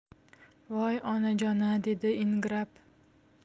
voy onajon a dedi ingrab